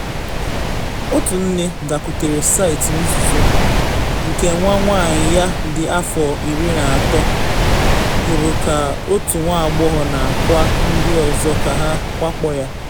Otu nne dakwutere saịtị nzuzo nke nwa nwanyị ya dị afọ 13 hụrụ ka otu nwa agbọghọ na akwa ndị ọzọ ka ha “nwakpuo ya.”